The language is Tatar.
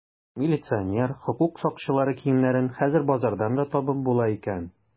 Милиционер, хокук сакчылары киемнәрен хәзер базардан да табып була икән.